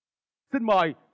xin mời